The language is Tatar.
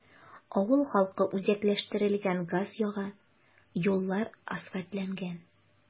Авыл халкы үзәкләштерелгән газ яга, юллар асфальтланган.